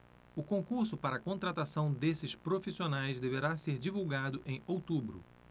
o concurso para contratação desses profissionais deverá ser divulgado em outubro